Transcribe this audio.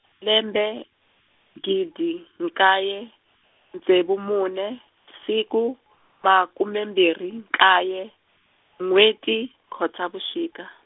lembe, gidi nkaye, ntsevu mune, siku makume mbirhi nkaye, nwheti Khotavuxika.